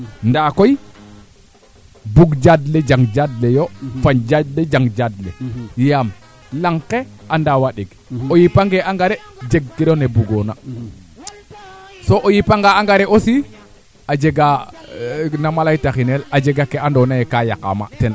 a soora le ta den nam ande mala keene fogooñ a ñoowta to o naanga xooxa arake leye manaam variété fene manaam o axo lene a jega a areer a yoomba foor ndaa soorale iro yee bo a qaqa fadaa xan gooñ le mbooru fop